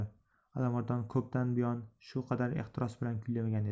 alimardon ko'p dan buyon shu qadar ehtiros bilan kuylamagan edi